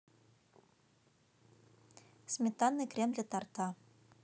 сметанный крем для торта